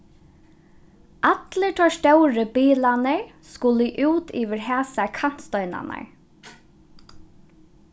allir teir stóru bilarnir skulu út yvir hasar kantsteinarnar